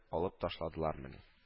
Алып ташладылармыни